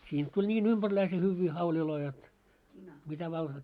siitä tuli niin ympärläisen hyviä hauleja jotta mitä vain